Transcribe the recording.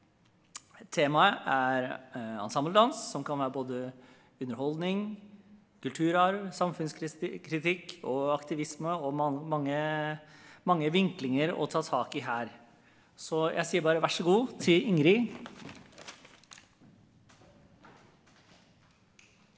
temaet er ensembledans, som kan være både underholdning, kulturarv, samfunnskritikk og aktivisme og mange mange vinklinger å ta tak i her, så jeg sier bare vær så god til Ingrid.